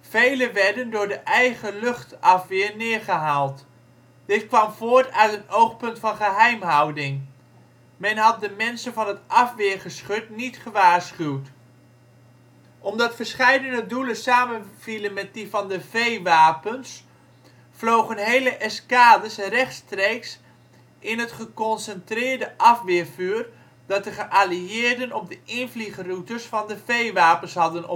Velen werden door de eigen luchtafweer neergehaald. Dit kwam voort uit een oogpunt van geheimhouding. Men had de mensen van het afweergeschut niet gewaarschuwd. Omdat verscheidene doelen samenvielen met die van de V-wapens, vlogen hele eskaders rechtstreeks in het geconcentreerde afweervuur dat de geallieerden op de invliegroutes van de V-wapens hadden